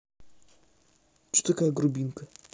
че такая грубиянка